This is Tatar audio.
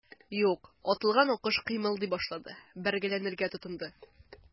Юк, атылган аккош кыймылдый башлады, бәргәләнергә тотынды.